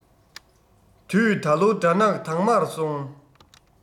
དུས ད ལོ དགྲ ནག དྭངས མར སོང